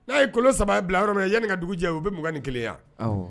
N'a ye kolon saba ye bila yɔrɔ min yanani ka dugu jɛ u bɛ mugan ni kelenle yan